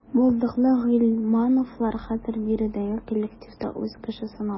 Булдыклы гыйльмановлар хәзер биредәге коллективта үз кеше санала.